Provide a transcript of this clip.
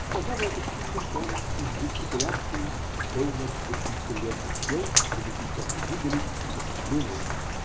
Сказав это сильным тоном и с жестикуляцией, Кольнер очень серьезно сел, и мы сейчас увидели, что клюнуло.